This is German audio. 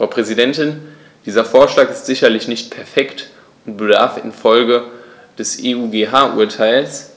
Frau Präsidentin, dieser Vorschlag ist sicherlich nicht perfekt und bedarf in Folge des EuGH-Urteils,